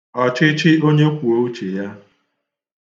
ọ̀chịchịonyekwùouchèya